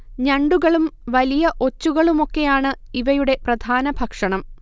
ഞണ്ടുകളും വലിയ ഒച്ചുകളുമൊക്കെയാണ് ഇവയുടെ പ്രധാന ഭക്ഷണം